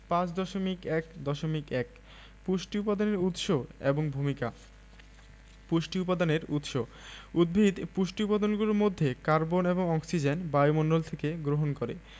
৫.১.১ পুষ্টি উপাদানের উৎস এবং ভূমিকা পুষ্টি উপাদানের উৎস উদ্ভিদ পুষ্টি উপাদানগুলোর মধ্যে কার্বন এবং অক্সিজেন বায়ুমণ্ডল থেকে গ্রহণ করে